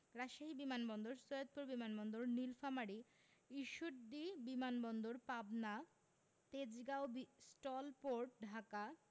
রাজশাহী বিমান বন্দর সৈয়দপুর বিমান বন্দর নিলফামারী ঈশ্বরদী বিমান বন্দর পাবনা তেজগাঁও স্টল পোর্ট ঢাকা